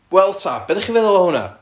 Wel ta be dach chi feddwl o hwnna?